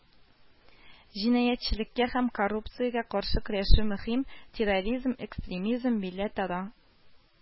Җинаятьчелеккә һәм коррупциягә каршы көрәшү мөһим, терроризм, экстремизм, милләтара